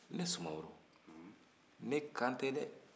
ne sumaworo ne kan tɛ dɛ